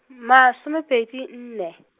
masomepedi nne.